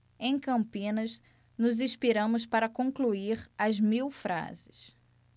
em campinas nos inspiramos para concluir as mil frases